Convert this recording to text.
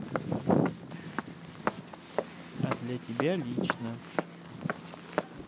а для тебя лично